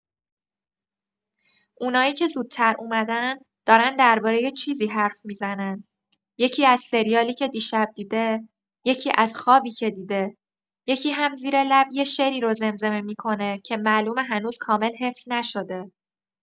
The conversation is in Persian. اونایی که زودتر اومدن، دارن دربارۀ چیزی حرف می‌زنن، یکی‌از سریالی که دیشب دیده، یکی‌از خوابی که دیده، یکی هم زیر لب یه شعری رو زمزمه می‌کنه که معلومه هنوز کامل حفظ نشده.